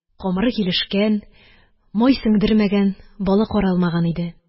Камыры килешкән, май сеңдермәгән, балы каралмаган иде